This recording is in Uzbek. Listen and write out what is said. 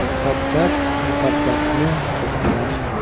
muhabbat muhabbatni tug'dirar